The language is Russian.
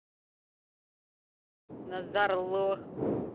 nazar лох